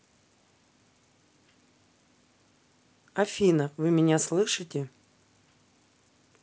афина вы меня слышите